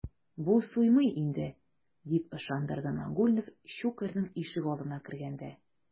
Бу суймый инде, - дип ышандырды Нагульнов Щукарьның ишегалдына кергәндә.